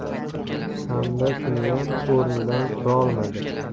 shanba kuniyam o'rnidan turolmadi